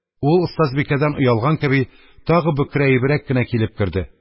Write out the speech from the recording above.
Ул, остазбикәдән оялган кеби, тагы бөкрәебрәк кенә килеп керде.